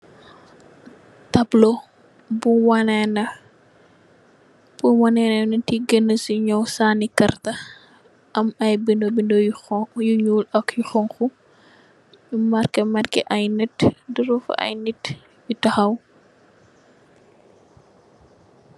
Tabla buy waneh neh nit yi genna si ñaw sanni karta am ay bindé bindé yu ñuul ak yu xonxu, marké marké ay nit yu taxaw.